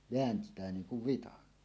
vääntää niin kuin vitsan